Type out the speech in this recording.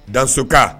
Dasoka